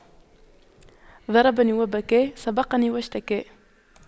ضربني وبكى وسبقني واشتكى